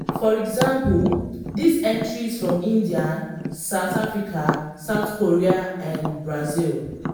For example, these entries from India, South Africa, South Korea and Brazil.